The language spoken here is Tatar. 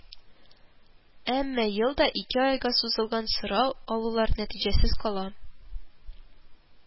Әмма ел да ике айга сузылган сорау алулар нәтиҗәсез кала